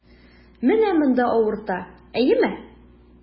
Менә монда авырта, әйеме?